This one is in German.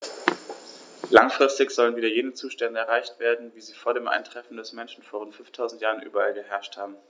Langfristig sollen wieder jene Zustände erreicht werden, wie sie vor dem Eintreffen des Menschen vor rund 5000 Jahren überall geherrscht haben.